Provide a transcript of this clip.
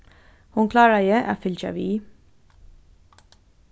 hon kláraði at fylgja við